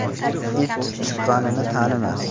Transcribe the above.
it tuqqanini tanimas